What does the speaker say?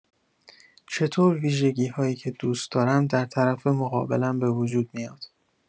چطور ویژگی‌هایی که دوست دارم در طرف مقابلم بوجود میاد؟